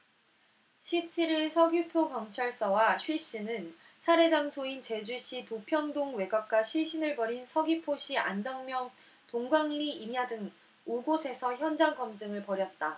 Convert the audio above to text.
십 칠 일 서귀포경찰서와 쉬씨는 살해 장소인 제주시 도평동 외곽과 시신을 버린 서귀포시 안덕면 동광리 임야 등 오 곳에서 현장검증을 벌였다